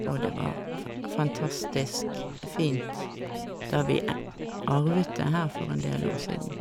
Og det var fa fantastisk fint da vi e arvet det her for en del år siden.